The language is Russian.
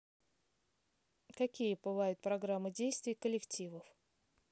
какие бывают программы действий коллективов